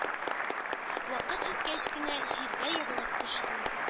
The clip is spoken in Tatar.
Вакыт җиткәч кенә җиргә егылып төште.